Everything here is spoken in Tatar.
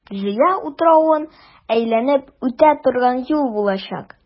Зөя утравын әйләнеп үтә торган юл булачак.